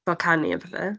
Fel canu a pethe?